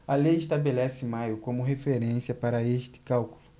a lei estabelece maio como referência para este cálculo